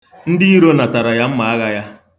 Ndịiro natara ya mmaagha ya.